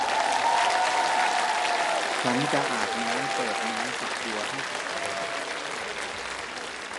ฉันจะอาบน้ำเปิดน้ำฝักบัวให้ฉัน